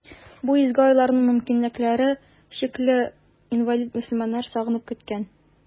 Бу изге айларны мөмкинлекләре чикле, инвалид мөселманнар сагынып көткән.